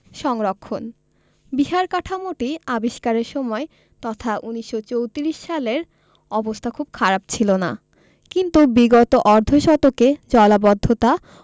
সংরক্ষণ বিহার কাঠামোটি আবিষ্কারের সময় তথা ১৯৩৪ সালের অবস্থা খুব খারাপ ছিল না কিন্তু বিগত অর্ধ শতকে জলাবদ্ধতা